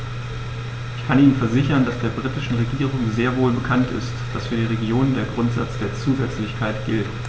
Ich kann Ihnen versichern, dass der britischen Regierung sehr wohl bekannt ist, dass für die Regionen der Grundsatz der Zusätzlichkeit gilt.